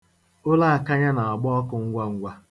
Ụlọ akanya na-agba ọkụ ngwa ngwa.